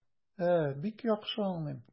А, бик яхшы аңлыйм.